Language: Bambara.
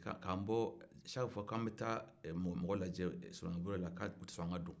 ko saki fuwa k'an bɛ taa mɔgɔ lajɛ soloma bure la k'u tɛ son an ka don